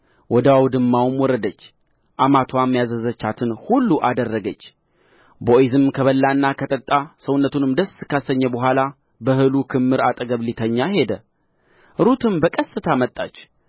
ወደ አውድማውም ወረደች አማትዋም ያዘዘቻትን ሁሉ አደረገች ቦዔዝም ከበላና ከጠጣ ሰውነቱንም ደስ ካሰኘ በኋላ በእህሉ ክምር አጠገብ ሊተኛ ሄደ ሩትም በቀስታ መጣች